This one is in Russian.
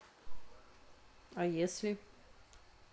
а если